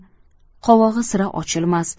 qovog'i sira ochilmas